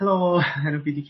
helo enw fi 'di...